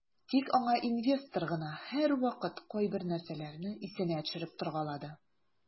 Тик аңа инвестор гына һәрвакыт кайбер нәрсәләрне исенә төшереп торгалады.